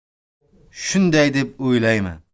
shunday deb o'ylayman